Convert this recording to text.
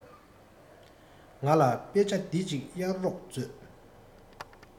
ང ལ དཔེ ཆ འདི གཅིག གཡར རོགས མཛོད